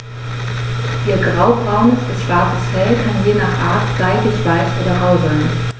Ihr graubraunes bis schwarzes Fell kann je nach Art seidig-weich oder rau sein.